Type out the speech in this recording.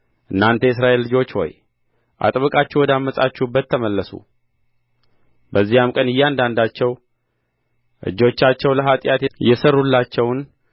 እናንተ የእስራኤል ልጆች ሆይ አጥብቃችሁ ወደ ዐመፃችሁበት ተመለሱ በዚያም ቀን እያንዳንዳቸው እጆቻቸው ለኃጢአት የሠሩላቸውን